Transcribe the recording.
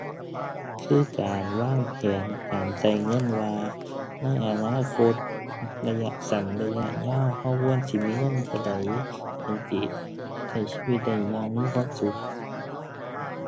คือการวางแผนการใช้เงินว่าในอนาคตระยะสั้น ระยะยาว ใช้ควรสิมีเงินเท่าใด จั่งสิใช้ชีวิตได้อย่างมีความสุข